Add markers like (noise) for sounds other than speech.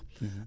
(hesitation) (hesitation)